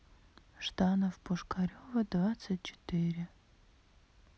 жданов пушкарева двадцать четыре